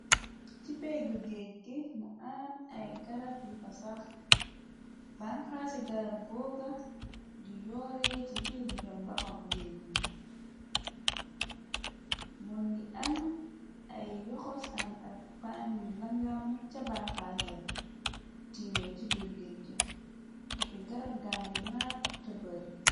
Ci pegg géej gi mu am ay garab yu fa saax banxaasi garab googa di yooree ci biirg ndoxam ngéej mu moo ngi am ay yoxosan ak paañ yu langaamu ca banxaasi tiime ci biir géej ge oppi garab gangi naar te bari.